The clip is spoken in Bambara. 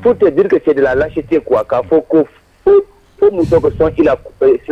Ptedsɛdu la alasite kuwa'a fɔ ko muso ko sira